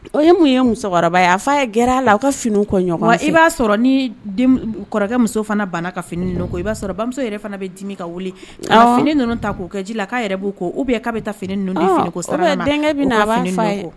O ye mun ye musokɔrɔba ye a fa g a la u ka fini kɔ ɲɔgɔn i ba sɔrɔ ni muso fana bana ka fini i ba sɔrɔ bamuso yɛrɛ fana bɛ dimi ka wuli ka finiini ninnu ta ko kɛ ji kɔnɔ ka yɛrɛ bu ko u ka bɛ taa fini ninnu fini ko denkɛ bɛ na ye